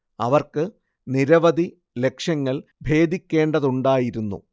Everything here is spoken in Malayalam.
അവർക്ക് നിരവധി ലക്ഷ്യങ്ങൾ ഭേദിക്കേണ്ടതുണ്ടായിരുന്നു